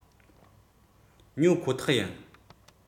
ཉོ ཁོ ཐག ཡིན